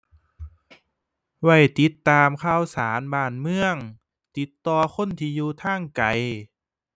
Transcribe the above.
ไว้ติดตามข่าวสารบ้านเมือง ติดต่อคนที่อยู่ทางไกล